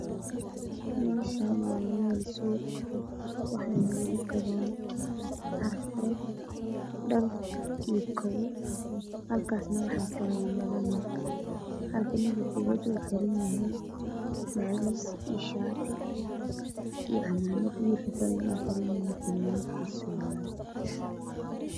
Meeshaan waa meel suuq ah waxaana lagu gadaa caraf caraf dhar iyo kabo halkaasna waxaa taagan labo nin halka ninka koobaad uu xiran yahay macawiis iyo shaati iyo camaamad wiilka kalana uu xiranyahay fanaanad iyo surwaal